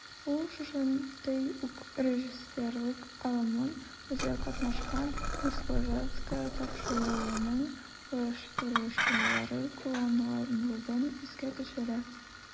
Ул шушындый ук режиссерлык алымын үзе катнашкан "Мужское/Женское" тапшыруының оештыручылары кулланганлыгын искә төшерә.